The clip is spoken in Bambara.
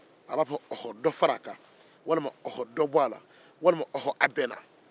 a b'a fɔ ɔhɔ dɔ fara a kan ɔhɔ dɔ bɔ a la